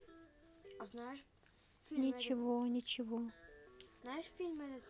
ничего ничего